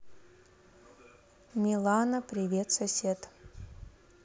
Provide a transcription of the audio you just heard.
милана привет сосед